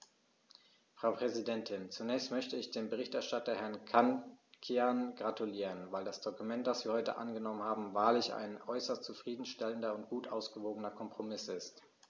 Frau Präsidentin, zunächst möchte ich dem Berichterstatter Herrn Cancian gratulieren, weil das Dokument, das wir heute angenommen haben, wahrlich ein äußerst zufrieden stellender und gut ausgewogener Kompromiss ist.